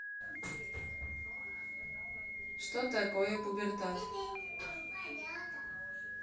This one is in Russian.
что такое пубертат